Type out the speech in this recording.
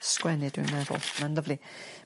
sgwennu dwi'n meddwl ma'n lyfi.